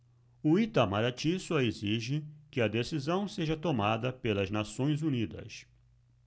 o itamaraty só exige que a decisão seja tomada pelas nações unidas